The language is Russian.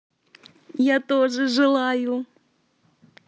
я тоже желаю